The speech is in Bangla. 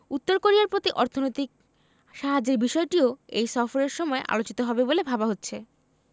উত্তর কোরিয়ার প্রতি অর্থনৈতিক সাহায্যের বিষয়টিও এই সফরের সময় আলোচিত হবে বলে ভাবা হচ্ছে